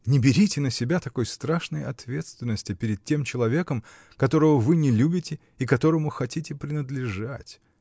Не берите на себя такой страшной ответственности перед тем человеком, которого вы не любите и которому хотите принадлежать.